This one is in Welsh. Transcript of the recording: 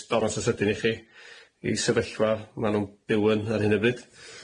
yn sydyn i chi i sefyllfa ma' nhw'n byw yn ar hyn o bryd.